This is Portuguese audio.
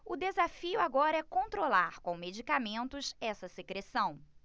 o desafio agora é controlar com medicamentos essa secreção